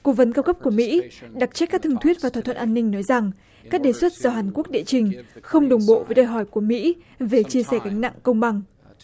cố vấn cao cấp của mỹ đặc trách các thương thuyết và thỏa thuận an ninh nói rằng các đề xuất do hàn quốc đệ trình không đồng bộ với đòi hỏi của mỹ về chia sẻ gánh nặng công bằng